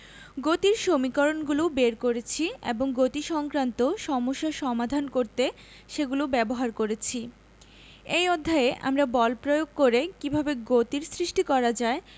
গতির সমীকরণগুলো বের করেছি এবং গতিসংক্রান্ত সমস্যা সমাধান করতে সেগুলো ব্যবহারও করেছি এই অধ্যায়ে আমরা বল প্রয়োগ করে কীভাবে গতির সৃষ্টি করা যায়